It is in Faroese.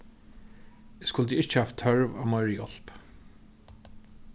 eg skuldi ikki havt tørv á meiri hjálp